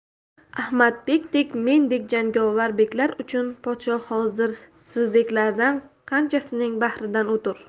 ahmadbekdek mendek jangovar beklar uchun podshoh hozir sizdeklardan qanchasining bahridan o'tur